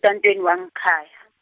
-tantweni wangekhaya.